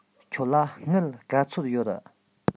ཁྱོད ལ དངུལ ག ཚོད ཡོད